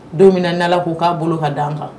Donminla ko k'a bolo ka d di an kan